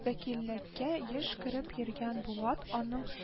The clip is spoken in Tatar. Вәкиллеккә еш кереп йөргән булат аның